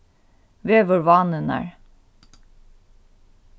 veðurvánirnar